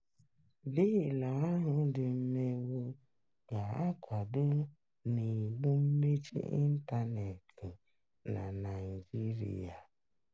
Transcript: Bịịlụ ahụ dị mmegbu ga-akwado n'iwu mmechi ịntaneetị na Naịjirịa